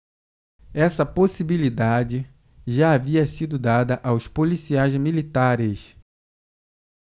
essa possibilidade já havia sido dada aos policiais militares